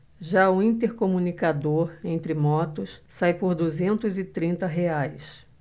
já o intercomunicador entre motos sai por duzentos e trinta reais